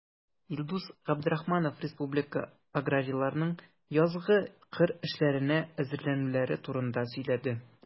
Илдус Габдрахманов республика аграрийларының язгы кыр эшләренә әзерләнүләре турында сөйләде.